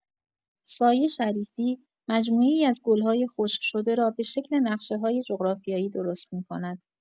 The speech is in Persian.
سایه شریفی، مجموعه‌ای از گل‌های خشک شده را به شکل نقشه‌های جغرافیایی درست می‌کند.